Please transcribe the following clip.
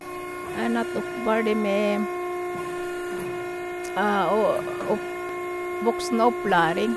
Er nettopp ferdig med å opp voksenopplæring.